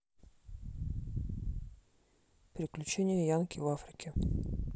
приключения янки в африке